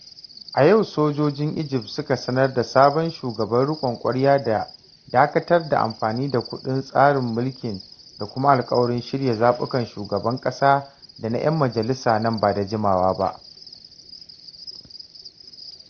A yau sojojin Egypt suka sanar da sabon shugaban riƙon ƙwarya da dakatar da amfani da kundin tsarin mulki da kuma alƙawarin shirya zaɓukan Shugaban ƙasa da na 'yan majalisa nan ba da jimawa ba